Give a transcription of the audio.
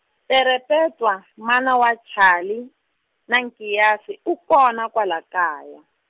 Perepetwa mana wa Chali, na Nkiyasi u kona kwala kaya.